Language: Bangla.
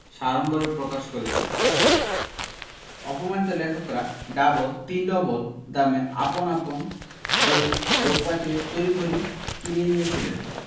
সাড়ম্বরে প্রকাশ করেছিল অপমানিত লেখকরা ডবল তিন ডবল দামে আপন আপন বই লোক পাঠিয়ে তড়িঘড়ি কিনিয়ে নিয়েছিলেন